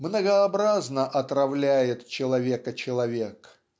Многообразно отравляет человека человек